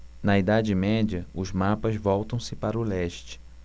na idade média os mapas voltam-se para o leste